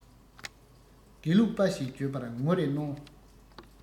དགེ ལུགས པ ཞེས བརྗོད པར ངོ རེ གནོང